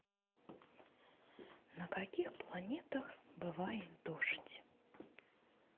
на каких планетах бывает дождь